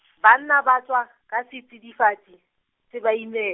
banna ba tswa, ka setsidifatsi, se ba ime-.